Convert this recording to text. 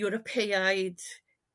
Ewropeaid